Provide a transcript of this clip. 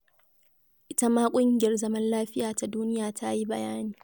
Ita ma ƙungiyar Zaman Lafiya ta Duniya ta yi bayani: